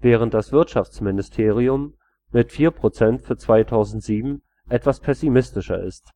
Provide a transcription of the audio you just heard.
während das Wirtschaftsministerium mit 4 % für 2007 etwas pessimistischer ist